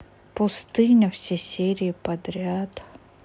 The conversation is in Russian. пустыня все серии подряд